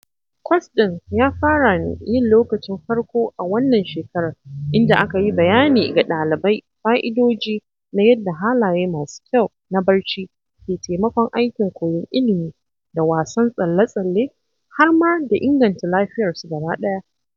Kwas ɗin ya fara ne yin lokacin farko a wannan shekarar, inda aka yi bayani ga dalibai fa’idoji na yadda halaye masu kyau na barci ke taimakon aikin koyon ilimi da wasan tsalle-tsalle, har ma da inganta lafiyarsu gaba ɗaya.